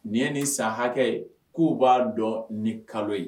Nin ye nin san hakɛ ye. Ku ba dɔn ni kalo ye